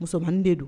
Muso de do